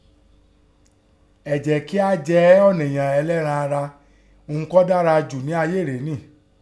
Ẹ jẹ́ kí á jẹ́ ọ̀nìyàn ẹlẹ́ran ara, ihun kọ́ dára jù ní ayé rèéni.